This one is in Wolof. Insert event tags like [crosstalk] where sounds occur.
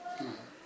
[noise] [hesitation] [hesitation]